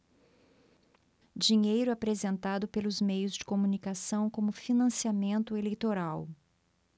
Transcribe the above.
dinheiro apresentado pelos meios de comunicação como financiamento eleitoral